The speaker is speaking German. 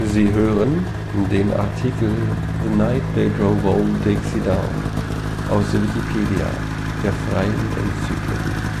Sie hören den Artikel The Night They Drove Old Dixie Down, aus Wikipedia, der freien Enzyklopädie